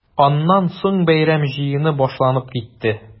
Аннан соң бәйрәм җыены башланып китте.